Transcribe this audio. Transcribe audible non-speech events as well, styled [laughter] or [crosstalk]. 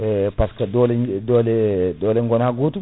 par ce que dole [hesitation] dole gona gotum